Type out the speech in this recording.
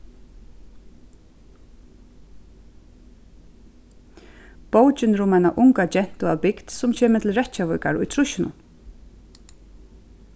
bókin er um eina unga gentu av bygd sum kemur til reykjavíkar í trýssunum